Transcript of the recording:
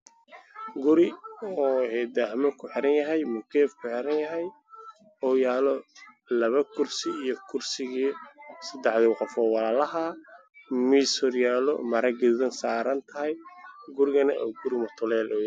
Waa qol waxaa yaal kuraas iyo miisaas oo qaxoow ah darbiga waa jahlo kor waxaa ku dhagan ay si midabkiis idaacaddaan